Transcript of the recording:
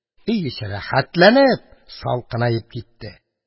Өй эче рәхәтләнеп, салкынаеп китте.